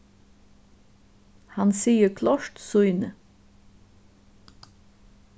hann sigur klárt sýni